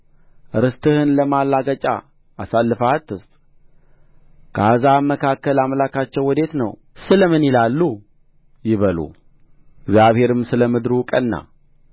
ርስትህን ለማላገጫ አሳልፈህ አትስጥ ከአሕዛብ መካከል አምላካቸው ወዴት ነው ስለ ምን ይላሉ ይበሉ እግዚአብሔርም ስለ ምድሩ ቀና